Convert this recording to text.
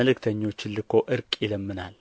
መልክተኞች ልኮ ዕርቅ ይለምናል